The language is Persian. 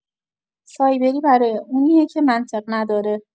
سایبری برای اونیه که منطق نداره